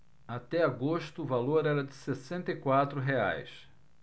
até agosto o valor era de sessenta e quatro reais